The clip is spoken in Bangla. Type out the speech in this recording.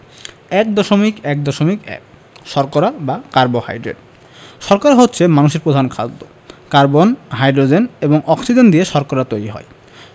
১.১.১ শর্করা বা কার্বোহাইড্রেট শর্করা হচ্ছে মানুষের প্রধান খাদ্য কার্বন হাইড্রোজেন এবং অক্সিজেন নিয়ে শর্করা তৈরি হয়